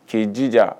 K'i jija.